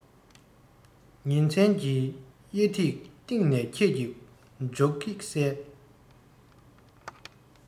ཉིན མཚན གྱི དབྱེ ཐིག སྟེང ནས ཁྱེད ཀྱི འཇོ སྒེག གསལ